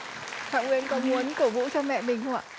phạm nguyễn có muốn cổ vũ cho mẹ mình không ạ